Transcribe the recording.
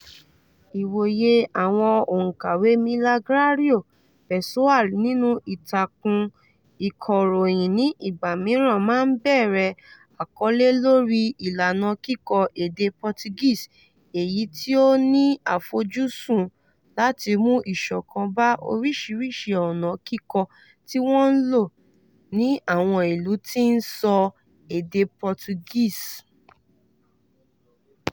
Ìwòye àwọn òǹkàwé Milagrário Pessoal nínú ìtàkùn ìkọ̀ròyìn ní ìgbà mìíràn máa ń bẹ̀rẹ̀ àkọlé lórí ìlànà kíkọ èdè Portuguese, èyí tí ó ní àfojúsùn láti mú ìṣọ̀kan bá oríṣiríṣi ọ̀nà kíkọ tí wọ́n ń lò ní àwọn ìlú tí wọ́n tí ń sọ èdè Portuguese.